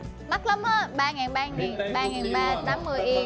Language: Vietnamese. mắc lắm á ba ngàn ba ngàn ba ngàn ba tám mươi yên